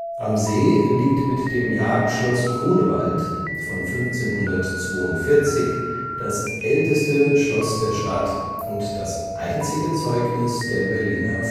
Am See liegt mit dem Jagdschloss Grunewald von 1542 das älteste Schloss der Stadt und das einzige Zeugnis der Berliner